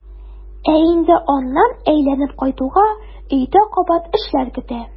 Ә инде аннан әйләнеп кайтуга өйдә кабат эшләр көтә.